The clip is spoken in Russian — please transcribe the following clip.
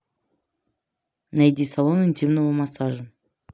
найди салон интимного массажа